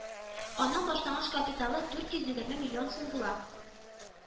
Аның башлангыч капиталы дүрт йөз егерме миллион сум була